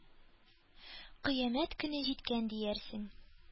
Кыямәт көне җиткән диярсең.